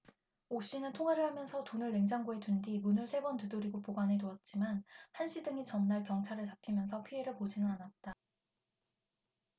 오씨는 통화를 하면서 돈을 냉장고에 둔 뒤 문을 세 번 두드리고 보관해 두었지만 한씨 등이 전날 경찰에 잡히면서 피해를 보지는 않았다